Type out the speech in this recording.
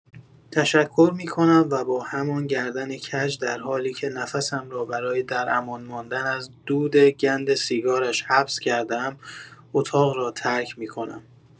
تشکر می‌کنم و با همان گردن کج در حالی که نفسم را برای در امان ماندن از دود گند سیگارش حبس کرده‌ام اتاق را ترک می‌کنم.